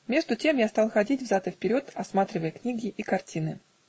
Между тем я стал ходить взад и вперед, осматривая книги и картины.